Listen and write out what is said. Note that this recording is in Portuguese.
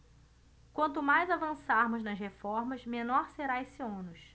quanto mais avançarmos nas reformas menor será esse ônus